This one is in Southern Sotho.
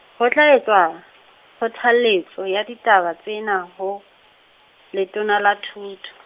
ho tla etswa, kgothaletso ya ditaba tsena, ho, Letona la Thuto.